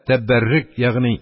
Тәбәррәк, ягъни